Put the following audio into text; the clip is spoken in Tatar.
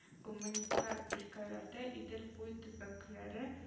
Гуманитар өлкәләрдә идел буе төбәкләре